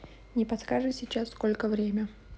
не подскажешь сейчас сколько время